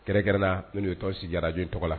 Kɛrɛn Kɛrɛnnen ya la minnu ye tɔn sigi radio tɔgɔ la.